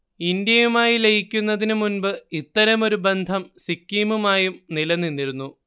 ഇന്ത്യയുമായി ലയിക്കുന്നതിനു മുൻപ് ഇത്തരമൊരു ബന്ധം സിക്കിമുമായും നിലനിന്നിരുന്നു